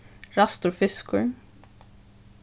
ræstur fiskur